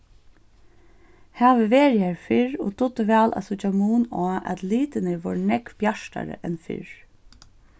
havi verið har fyrr og dugdi væl at síggja mun á at litirnir vóru nógv bjartari enn fyrr